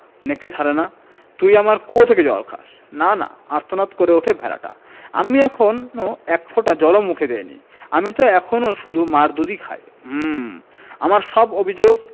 নেকড়ে ছাড়ে না তুই আমার কুয়ো থেকে জল খাস না না আর্তনাদ করে ওঠে ভেড়াটা আমি এখনো এক ফোঁটা জল ও মুখে দিইনি আমি ত এখনো শুধু মার দুধ খাই হুম আমার সব অভিযোগ